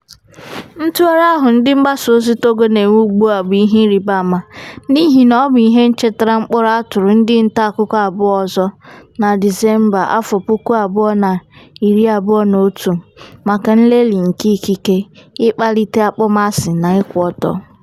Ntụgharị ahụ ndị mgbasaozi Togo na-enwe ugbua bụ ihe ịrịbaama, n'ihi na ọ bụ ihe nchetara mkpọrọ a tụrụ ndị ntaakụkọ abụọ ọzọ na Disemba 2021 maka nlelị nke ikike, ịkpalite akpọmasị na nkwutọ.